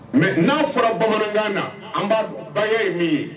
Mɛ n'a fɔra bamanankan na an ba ye min ye